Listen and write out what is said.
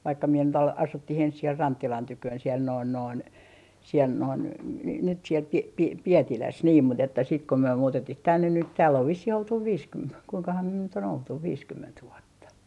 vaikka minä nyt - asuttiin ensin siellä Rantsilan tykönä siellä noin noin siellä noin - nyt siellä -- Pietilässä niin mutta että sitten kun me muutettiin tänne nyt täällä on vissiin oltu - kuinkahan me nyt on oltu viisikymmentä vuotta